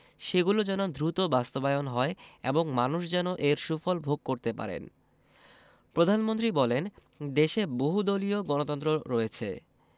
সেগুলো যেন দ্রুত বাস্তবায়ন হয় এবং মানুষ যেন এর সুফল ভোগ করতে পারেন প্রধানমন্ত্রী বলেন দেশে বহুদলীয় গণতন্ত্র রয়েছে